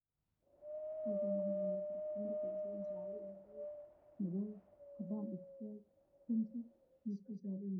Waxaa ii muuqda dhalooyin ay ku jirto catar rh midabkoodu yahay midooday caddays